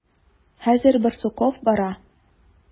Хәзер Барсуков бара.